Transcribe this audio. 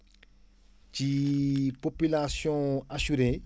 ci population assuré